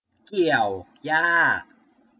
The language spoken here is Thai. เกี่ยวหญ้า